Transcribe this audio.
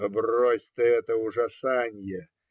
- Да брось ты это ужасанье!